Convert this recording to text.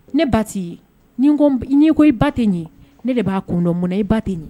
Ne ba t'i ye. n'i ko i ba tɛ n ye, ne de b'a kun dɔn, munna i ba tɛ n ye?